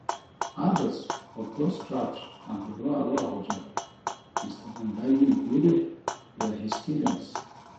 Others of those trapped at the Roa Roa Hotel, Mr. Mandagi included, were his students.